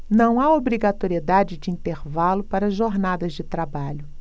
não há obrigatoriedade de intervalo para jornadas de trabalho